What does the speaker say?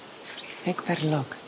Fritheg perlog.